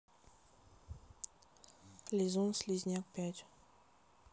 лизун слизняк пять